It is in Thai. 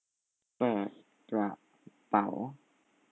เปิดกระเป๋า